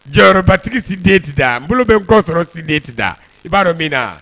Jɔyɔrɔorobatigi si den tɛda n bolo bɛ n kɔsɔrɔ si den tɛda i b'a dɔn min na